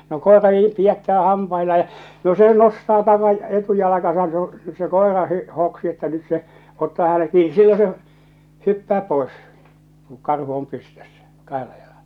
no koira niin pidättää hampaillaan ja no se nostaa - etujalkansa se on se koira - hoksi että nyt se ottaa hänen kiinni silloin se hyppää pois kun karhu on pystyssä kahdella jalalla